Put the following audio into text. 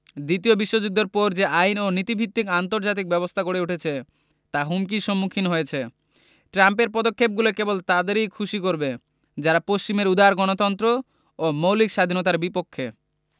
দ্বিতীয় বিশ্বযুদ্ধের পর যে আইন ও নীতিভিত্তিক আন্তর্জাতিক ব্যবস্থা গড়ে উঠেছে তা হুমকির সম্মুখীন হয়েছে ট্রাম্পের পদক্ষেপগুলো কেবল তাদেরই খুশি করবে যারা পশ্চিমের উদার গণতন্ত্র ও মৌলিক স্বাধীনতার বিপক্ষে